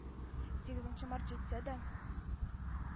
Сигезенче март җитсә дә,